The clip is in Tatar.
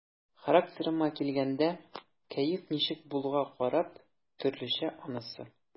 Характерыма килгәндә, кәеф ничек булуга карап, төрлечә анысы.